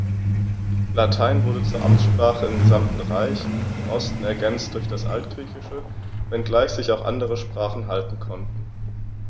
Latein wurde zur Amtssprache im gesamten Reich (im Osten ergänzt durch das Altgriechische), wenngleich sich auch andere Sprachen halten konnten.